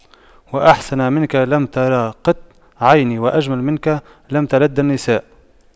وأحسن منك لم تر قط عيني وأجمل منك لم تلد النساء